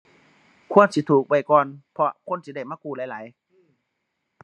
ควรสิถูกไว้ก่อน เพราะคนสิได้มากู้หลายหลาย